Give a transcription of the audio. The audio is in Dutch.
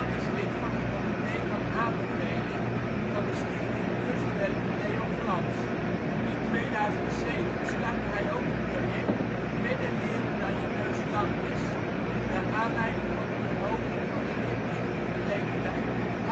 is lid van het comité van aanbeveling van de Stichting Kunstwerken Leo Glans. In 2007 startte hij ook het project Verder leren dan je neus lang is, naar aanleiding van de verhoging van de leerplichtige leeftijd tot